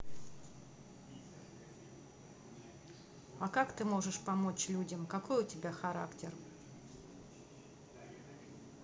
а как ты можешь помочь людям какой у тебя характер